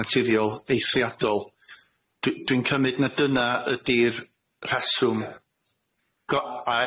naturiol eithriadol dwi dwi'n cymyd nad yna ydi'r rheswm go- a